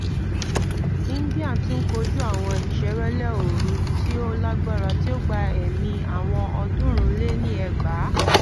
India tún kojú àwọn ìṣẹ́wẹ́lẹ́ ooru tí ó lágbára tí ó gba ẹ̀mí àwọn 2,300.